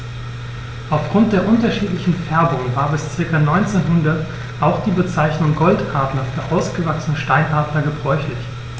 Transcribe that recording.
Auf Grund der unterschiedlichen Färbung war bis ca. 1900 auch die Bezeichnung Goldadler für ausgewachsene Steinadler gebräuchlich.